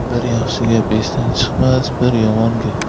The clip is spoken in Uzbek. bir yaxshi gap esdan chiqmas bir yomon gap